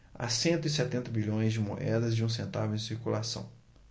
há cento e setenta bilhões de moedas de um centavo em circulação